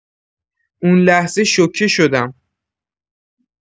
اون لحظه شوکه شدم.